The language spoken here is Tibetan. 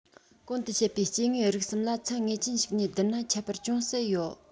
གོང དུ བཤད པའི སྐྱེ དངོས རིགས གསུམ ལ ཚད ངེས ཅན ཞིག ནས བསྡུར ན ཁྱད པར ཅུང ཟད ཡོད